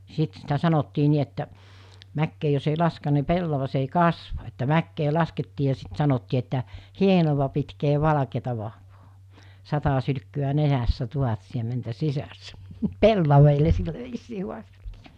sitten sitä sanottiin niin että mäkeen jos ei laske niin pellavas ei kasva että mäkeä laskettiin ja sitten sanottiin että hienoa pitkiä valkeata vahvaa sata sylkkyä nenässä tuhat siementä sisässä pellaville sillä viisiin haasteltiin